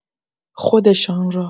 خودشان را